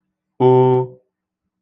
o